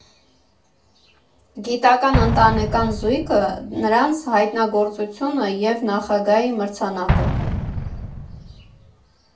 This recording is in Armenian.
Գիտական ընտանեկան զույգը, նրանց հայտնագործությունը և Նախագահի մրցանակը։